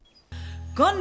con